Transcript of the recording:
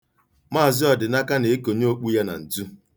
Mz. Ọdịnaka na-ekonye okpu ya na ntu.